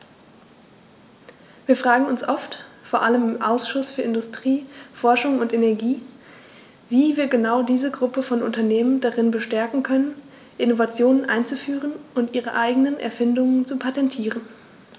Wir fragen uns oft, vor allem im Ausschuss für Industrie, Forschung und Energie, wie wir genau diese Gruppe von Unternehmen darin bestärken können, Innovationen einzuführen und ihre eigenen Erfindungen zu patentieren.